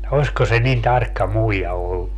olisiko se niin tarkka muija ollut